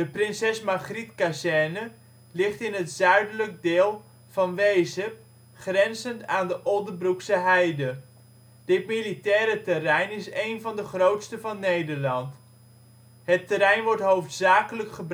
Prinses Margrietkazerne ligt in het zuidelijke deel van Wezep grenzend aan de Oldebroekse Heide. Dit militaire terrein is een van de grootste van Nederland. Het terrein wordt hoofdzakelijk